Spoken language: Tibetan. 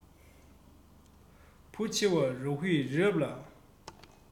བུ ཆེ བ རཱ ཧུས རི རབ ལ